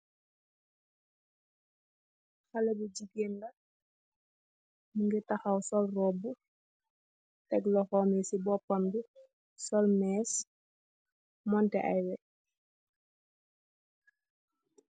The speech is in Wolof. Haleh bu jigeen la, mungy takhaw sol robu, tek lokhom bi ci bopam bi, sol meeche, monteh aiiy weuyy.